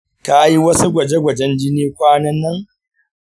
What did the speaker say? ka yi wasu gwaje-gwajen jini kwanan nan?